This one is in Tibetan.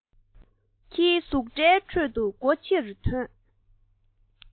ཁྱིའི ཟུག སྒྲའི ཁྲོད དུ སྒོ ཕྱིར ཐོན